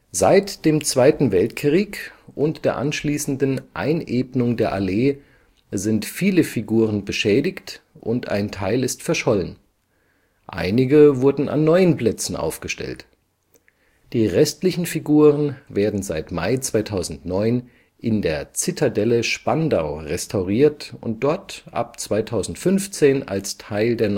Seit dem Zweiten Weltkrieg und der anschließenden Einebnung der Allee sind viele Figuren beschädigt und ein Teil ist verschollen. Einige wurden an neuen Plätzen aufgestellt. Die restlichen Figuren werden seit Mai 2009 in der Zitadelle Spandau restauriert und dort ab 2015 als Teil der